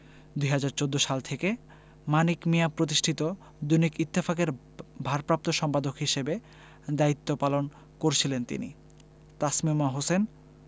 ২০১৪ সাল থেকে মানিক মিঞা প্রতিষ্ঠিত দৈনিক ইত্তেফাকের ভারপ্রাপ্ত সম্পাদক হিসেবে দায়িত্ব পালন করছিলেন তিনি তাসমিমা হোসেন